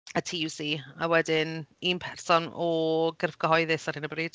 A TUC, a wedyn un person o gyrff cyhoeddus ar hyn o bryd.